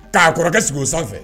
K'a kɔrɔkɛ sigi o sanfɛ